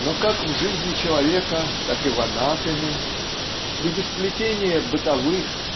Но как в "Жизни человека" так и в "Анатэме" среди сплетения бытовых